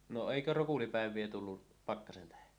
no eikö rokulipäiviä tullut pakkasen tähden